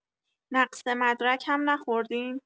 نقص مدرک هم نخوردین؟